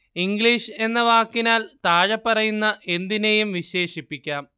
English എന്ന വാക്കിനാൽ താഴെപ്പറയുന്ന എന്തിനേയും വിശേഷിപ്പിക്കാം